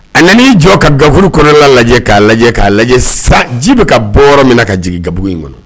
A nan'i jɔ ka gauru kɔnɔla lajɛ k'a lajɛ k'a lajɛ sa ji bɛ ka bɔ minna ka jigin gabugu in kɔnɔ